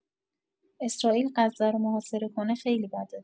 اسرائیل غزه رو محاصره کنه خیلی بده!